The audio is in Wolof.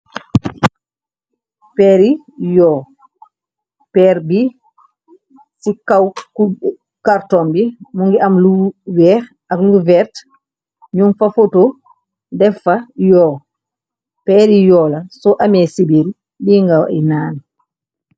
Pééri yóó, péér bi ci kaw karton bi, mugii am lu wèèx ak lu werta ñing fa foto dèf fa yóó. Pééri yóó la so ameh sibiro bi ngai nan.